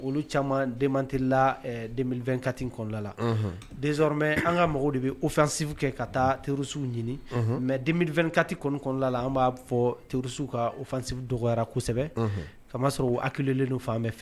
Olu caaman dementelés la 2024 kɔnɔna la , unhun, desormais an ka mɔgɔw de bɛ offensive kɛ ka taa terroristes _ ɲini , unhun, Mais 2024 kɔni kɔnɔna an b'a fɔ terroristes kɔni ka offensives dɔgɔyala kosɛbɛ, unhun, ka ma sɔrɔ u acculés la fan bɛɛ fɛ.